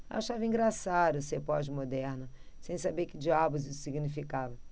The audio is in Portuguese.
achava engraçado ser pós-moderna sem saber que diabos isso significava